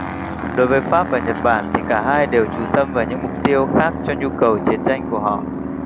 đối với pháp và nhật bản thì cả hai đều chú tâm vào những mục tiêu khác cho nhu cầu chiến tranh của họ